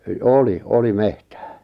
oli oli metsää